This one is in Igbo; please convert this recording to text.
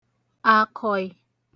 àkọ̀ị̀